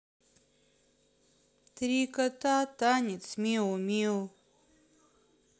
три кота танец миу миу